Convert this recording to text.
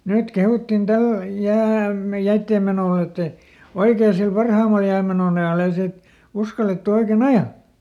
nyt kehuttiin tällä - jäiden menoa että oikein sillä parhaimmalla jäämenon ajalla ei siitä uskallettu oikein ajaa